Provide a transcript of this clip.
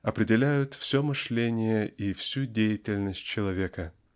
определяют все мышление и всю деятельность человека.